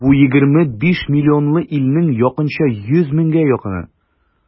Бу егерме биш миллионлы илнең якынча йөз меңгә якыны.